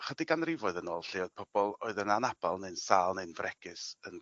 ychydig ganrifoedd yn ôl lle oedd pobol oedd yn anabal neu'n sâl neu'n fregus yn